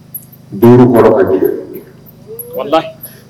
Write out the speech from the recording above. Bere bɔra